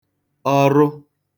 ọrụ